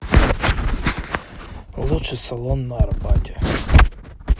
лучший салон на арбате